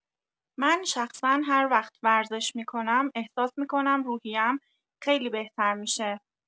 من شخصا هر وقت ورزش می‌کنم، احساس می‌کنم روحیه‌ام خیلی بهتر می‌شه.